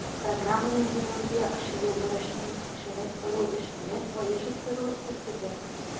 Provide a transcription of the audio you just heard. Программаны гамәлгә ашыру барышын тикшереп тору эшләрен оештыру тәртибе